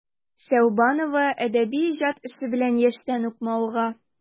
Сәүбанова әдәби иҗат эше белән яшьтән үк мавыга.